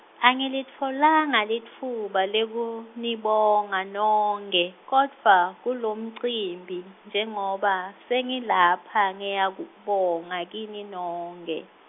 Angilitfolanga litfuba lekunibonga nonkhe, kodwva, kulomcimbi, njengoba, sengilapha, ngiyakubonga kini nonkhe.